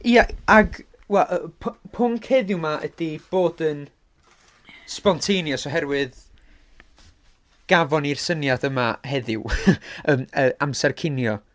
Ie, ac we- y y p- pwnc heddiw yma ydi bod yn spontaneous oherwydd gafon ni'r syniad yma heddiw, yym yy amser cinio.